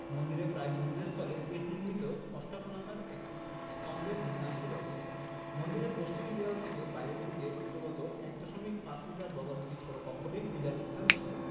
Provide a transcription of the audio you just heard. মন্দিরের প্রায় মধ্যস্থলে ইট নির্মিত অষ্টকোণাকার একটি স্তম্ভের নিম্নাংশ রয়েছে মন্দিরের পশ্চিম দেয়াল থেকে বাইরের দিকে উদগত ১ দশমিক ৫ মিটার বর্গাকৃতির ছোট কক্ষটি পূজার স্থান ছিল